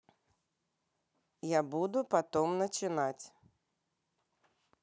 я буду потом начинать